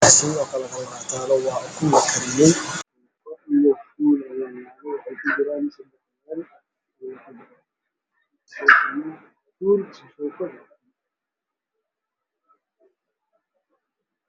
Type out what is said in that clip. Waa sedax saxan waxaa ku kala jiro ukun, qudaar gaduud iyo qudaar cagaaran